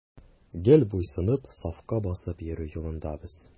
Гел буйсынып, сафка басып йөрү юлында без.